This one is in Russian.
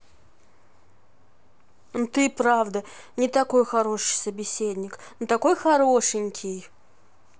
ну ты и правда не такой хороший собеседник но такой хорошенький